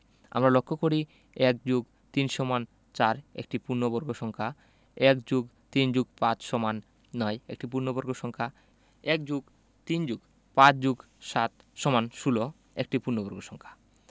আমরা লক্ষ করি ১+৩=৪ একটি পূর্ণবর্গ সংখ্যা ১+৩+৫=৯ একটি পূর্ণবর্গ সংখ্যা ১+৩+৫+৭=১৬ একটি পূর্ণবর্গ সংখ্যা